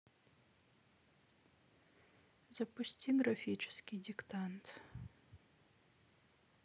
запусти графический диктант